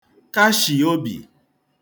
kashì obi